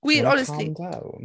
Gwir, honestly... Calm down?